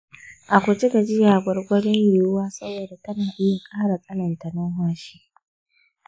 a guji gajiya gwargwadon yiwuwa saboda tana iya ƙara tsananta numfashi.